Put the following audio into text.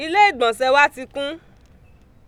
ilé ìgbọ̀nsẹ wá ti kún.